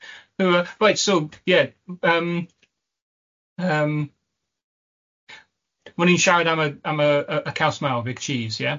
Yy reit so ie yym yym, o'n i'n siarad am y am y y y caws mawr, Big Cheese ie?